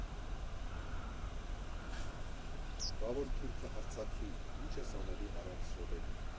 Բա որ թուրքը հարձակվի՞, ի՜նչ ես անելու առանց Սովետ։